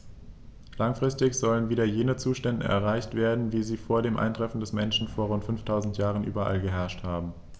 Langfristig sollen wieder jene Zustände erreicht werden, wie sie vor dem Eintreffen des Menschen vor rund 5000 Jahren überall geherrscht haben.